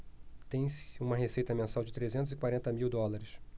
tem-se uma receita mensal de trezentos e quarenta mil dólares